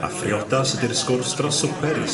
A phriodas ydi'r sgwrs dros swper i...